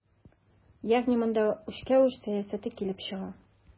Ягъни монда үчкә-үч сәясәте килеп чыга.